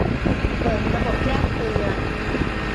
เปิดระบบแจ้งเตือน